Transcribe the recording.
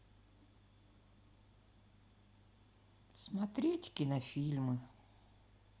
смотреть кинофильмы